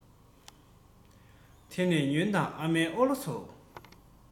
དེ ནས ཉོན དང ཨ མའི ཨོ ལོ ཚོ